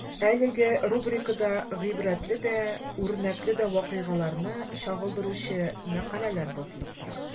Әлеге рубрикада гыйбрәтле дә, үрнәкле дә вакыйгаларны чагылдыручы мәкаләләр басылып тора.